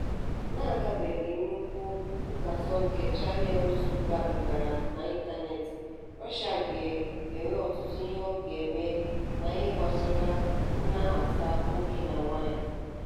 N'agbanyeghị nnukwu nkatọ nke Channel One gabịgara n'ịntaneetị, Russia ka nwere ọtụtụ ihe ọ ga-eme n'ihe gbasara nhatanha nwoke na nwaanyị.